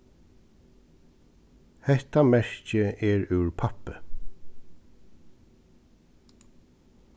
hetta merkið er úr pappi